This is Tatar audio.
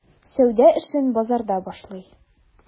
Сәүдә эшен базарда башлый.